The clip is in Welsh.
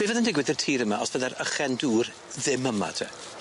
Be' fydd yn digwydd i'r tir yma os bydde'r ychen dŵr ddim yma te?